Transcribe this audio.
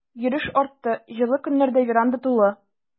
Йөреш артты, җылы көннәрдә веранда тулы.